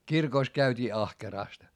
kirkossa käytiin ahkerasti